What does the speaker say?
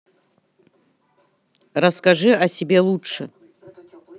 расскажи о себе лучше